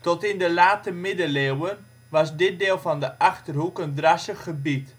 Tot in de late middeleeuwen was dit deel van de Achterhoek een drassig gebied.